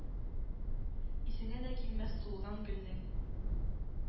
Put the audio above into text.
Исеңә дә килмәс сулган гөлнең